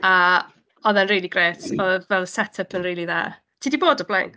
A oedd e'n rili grêt, oedd fel set-up yn rili dda. Ti 'di bod o'r blaen?